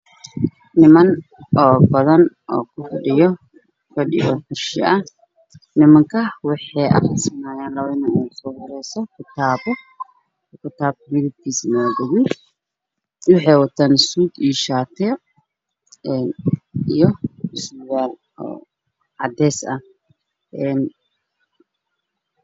Meshan waxaa fadhiya niman fara badan waxey aqrisanayan kitaab quran ah